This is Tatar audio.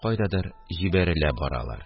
Кайдадыр җибәрелә баралар